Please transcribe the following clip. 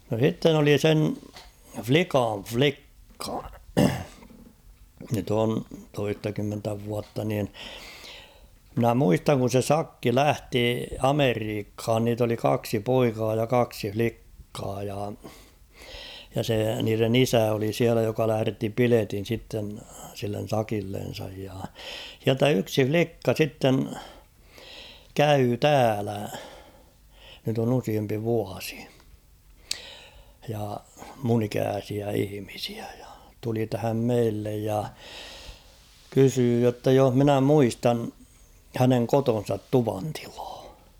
no sitten oli sen likan likka nyt on toistakymmentä vuotta niin minä muistan kun se sakki lähti Amerikkaan niitä oli kaksi poikaa ja kaksi likkaa ja ja se niiden isä oli siellä joka lähetti piletin sitten sille sakillensa ja sieltä yksi likka sitten kävi täällä nyt on useampi vuosi ja minun ikäisiä ihmisiä ja tuli tähän meille ja kysyi jotta jos minä muistan hänen kotinsa tuvantilaa